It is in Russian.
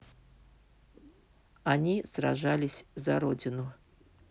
они сражались за родину